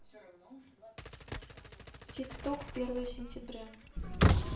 тик ток первое сентября